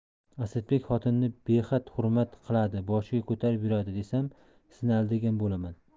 asadbek xotinini behad hurmat qiladi boshiga ko'tarib yuradi desam sizni aldagan bo'laman